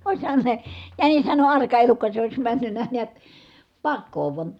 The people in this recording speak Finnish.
olisihan se jänishän on arka elukka se olisi mennyt näet pakoon vain